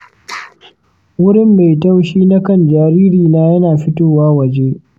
wurin mai taushi na kan jaririna yana fitowa waje.